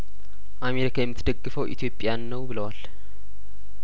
አሜሪካ የምት ደግፈው ኢትዮጵያን ነው ብለዋል